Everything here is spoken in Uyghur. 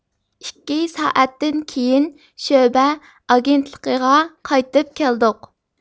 ئىككى سائەتتىن كېيىن شۆبە ئاگېنتلىقىغا قايتىپ كەلدۇق